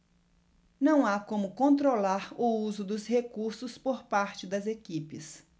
não há como controlar o uso dos recursos por parte das equipes